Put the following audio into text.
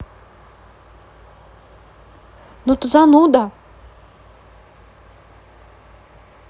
ну ты зануда